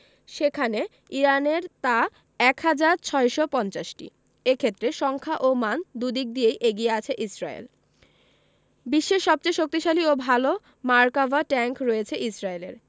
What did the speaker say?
সেখানে ইরানের তা ১ হাজার ৬৫০টি এ ক্ষেত্রে সংখ্যা ও মান দুদিক দিয়েই এগিয়ে আছে ইসরায়েল বিশ্বের সবচেয়ে শক্তিশালী ও ভালো মার্কাভা ট্যাংক রয়েছে ইসরায়েলের